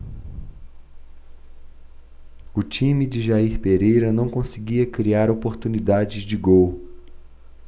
o time de jair pereira não conseguia criar oportunidades de gol